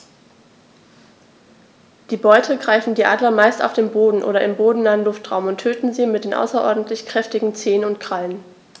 Die Beute greifen die Adler meist auf dem Boden oder im bodennahen Luftraum und töten sie mit den außerordentlich kräftigen Zehen und Krallen.